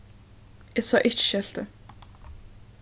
eg sá ikki skeltið